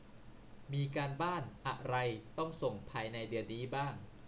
มีการบ้านอะไรต้องส่งภายในเดือนนี้บ้าง